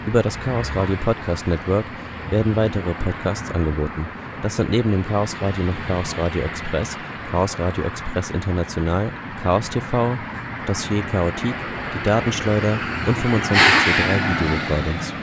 Über das Chaosradio Podcast Network werden mehrere Podcasts angeboten. Das sind neben dem Chaosradio noch Chaosradio Express, Chaosradio Express International, Chaos TV, Dossier Chaotique, Die Datenschleuder und 25C3 Video Recordings